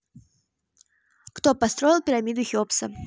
кто построил перамиду хеопса